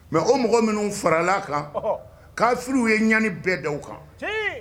Mɛ o mɔgɔ minnu farala kan'fiw ye ɲani bɛɛ da kan